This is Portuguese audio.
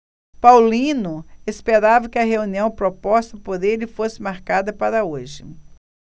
paulino esperava que a reunião proposta por ele fosse marcada para hoje